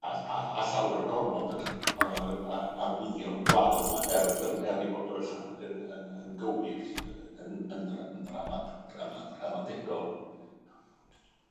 a a a llawar gormod o'r yy a- arwyddion gwael 'ma, er er 'u er 'u bod o ella'n yn yn yn gywir, yn yn ra- yn ramat- rama- ramadegol